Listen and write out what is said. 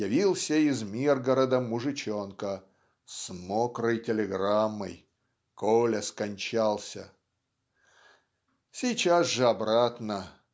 явился из Миргорода мужичонка "с мокрой телеграммой Коля скончался". Сейчас же обратно.